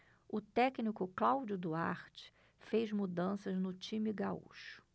o técnico cláudio duarte fez mudanças no time gaúcho